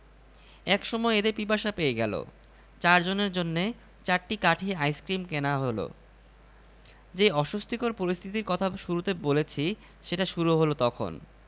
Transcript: দোকানী অমিকে বেকুব ঠাওড়ালী কিনা জানি এক বুড়োর মতী ধরিয়ে দিল বুড়োটি খালি গায়ে বসে আছে হাতে হুঁকো বাতাস পেলেই সমানে মাথা নাড়ছে